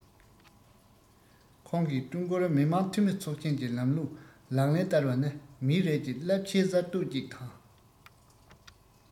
ཁོང གིས ཀྲུང གོར མི དམངས འཐུས མི ཚོགས ཆེན གྱི ལམ ལུགས ལག ལེན བསྟར བ ནི མིའི རིགས ཀྱི རླབས ཆེའི གསར གཏོད ཅིག དང